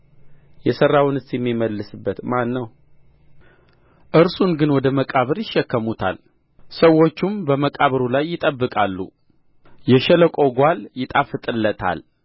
የሠራውንስ የሚመልስበት ማን ነው እርሱን ግን ወደ መቃብር ይሸከሙታል ሰዎቹም በመቃብሩ ላይ ይጠብቃሉ የሸለቆው ጓል ይጣፍጥለታል